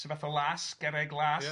Sydd fath o las garreg las de? Ia.